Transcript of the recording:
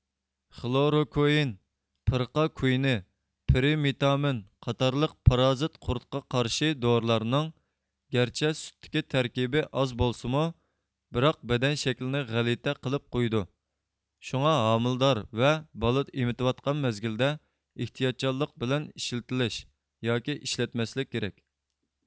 خلوروكۇئىن پرىقا كۇينى پرىمېتامىن قاتارلىق پارازىت قۇرتقا قارشى دورىلارنىڭ گەرچە سۈتتىكى تەركىبى ئاز بولسىمۇ بىراق بەدەن شەكلىنى غەلىتە قىلىپ قويىدۇ شۇڭا ھامىلىدار ۋە بالا ئېمىتىۋاتقان مەزگىلدە ئېھتىياتچانلىق بىلەن ئىشلىتىلىش ياكى ئىشلەتمەسلىك كېرەك